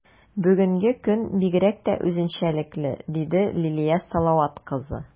Бүгенге көн бигрәк тә үзенчәлекле, - диде Лилия Салават кызы.